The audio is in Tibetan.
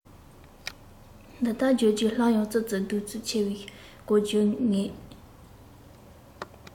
འདི ལྟར བརྗོད རྗེས སླར ཡང ཙི ཙི སྡུག རྩུབ ཆེ བའི སྐོར བརྗོད ངེས